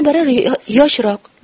yana biri yoshroq